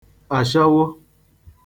àshawo